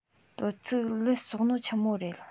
དོ ཚིགས ལུད གསོགས ནོ ཆི མོ རེད